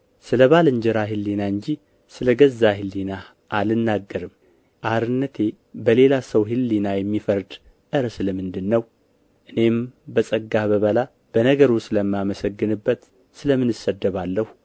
ስለ ባልንጀራህ ሕሊና እንጂ ስለ ገዛ ሕሊናህ አልናገርም አርነቴ በሌላ ሰው ሕሊና የሚፈርድ ኧረ ስለ ምንድር ነው እኔም በጸጋ ብበላ በነገሩ ስለማመሰግንበት ስለ ምን እሰደባለሁ